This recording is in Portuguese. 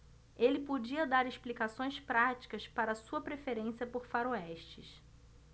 ele podia dar explicações práticas para sua preferência por faroestes